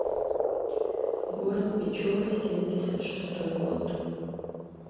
город печора семьдесят шестой год